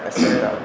et céréales